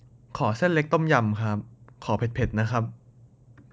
ขอเส้นเล็กต้มยำครับขอเผ็ดเผ็ดนะครับ